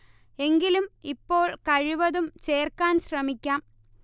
എങ്കിലും ഇപ്പോൾ കഴിവതും ചേർക്കാൻ ശ്രമിക്കാം